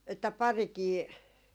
että parikin